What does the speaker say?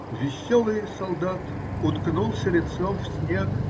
Веселый солдат уткнулся лицом в снег.